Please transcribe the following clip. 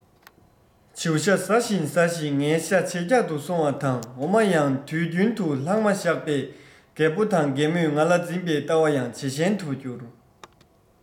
བྱིའུ ཤ ཟ བཞིན ཟ བཞིན ངའི ཤ ཇེ རྒྱགས སུ སོང བ དང འོ མ ཡང དུས རྒྱུན དུ ལྷག མ བཞག པས རྒད པོ དང རྒན མོས ང ལ འཛིན པའི ལྟ བ ཡང ཇེ ཞན དུ གྱུར